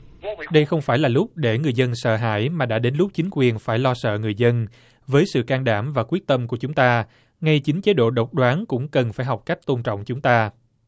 đây không phải là lúc để người dân sợ hãi mà đã đến lúc chính quyền phải lo sợ người dân với sự can đảm và quyết tâm của chúng ta ngay chính chế độ độc đoán cũng cần phải học cách tôn trọng chúng ta